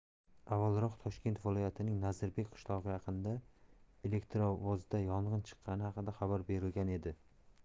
avvalroq toshkent viloyatining nazarbek qishlog'i yaqinida elektrovozda yong'in chiqqani haqida xabar berilgan edi